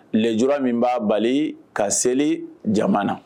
leulara min b'a bali ka seli jamana na